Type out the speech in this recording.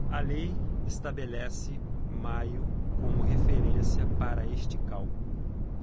a lei estabelece maio como referência para este cálculo